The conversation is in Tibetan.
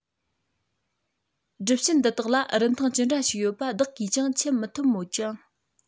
སྒྲུབ བྱེད འདི དག ལ རིན ཐང ཇི འདྲ ཞིག ཡོད པ བདག གིས ཀྱང འཆད མི ཐུབ མོད ཀྱང